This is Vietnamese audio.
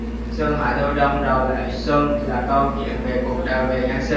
xuân hạ thu đông rồi lại xuân là câu chuyện về cuộc đời về nhân sinh